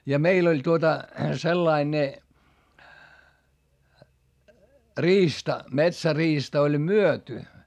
ja meillä oli tuota sellainen ne riista metsäriista oli myyty